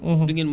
bilaay